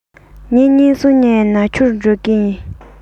ཉིན གཉིས གསུམ ནས ནག ཆུར འགྲོ གི ཡིན